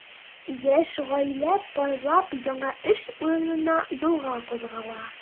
Яшь гаилә парлап яңа эш урынына юлга кузгала.